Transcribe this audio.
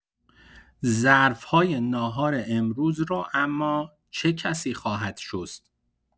ظرف‌های ناهار امروز را اما، چه کسی خواهد شست؟